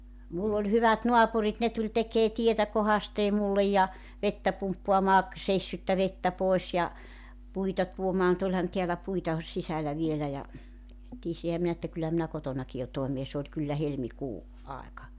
minulla oli hyvät naapurit ne tuli tekemään tietä kohdasteen minulle ja vettä pumppaamaan seissyttä vettä pois ja puita tuomaan mutta olihan täällä puita sisällä vielä ja tiesinhän minä että kyllä minä kotonakin jo toimeen se oli kyllä helmikuu aika